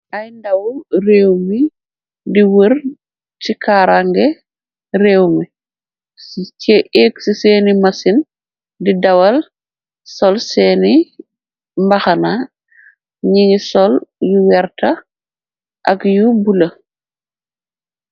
Ay ndaw réew mi di wër ci kaarange réew mi ci eg ci seeni masin di dawal sol seeni mbaxana niñ sol yu werta ak yu bulo.